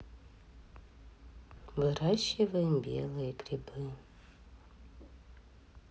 выращиваем белые грибы